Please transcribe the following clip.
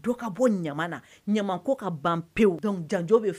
Ka ban pe janj